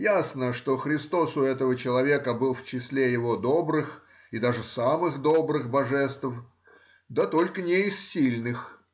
Ясно, что Христос у этого человека был в числе его добрых, и даже самых добрых божеств, да только не из сильных